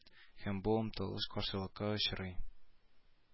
Һәм бу омтылыш каршылыкка очрый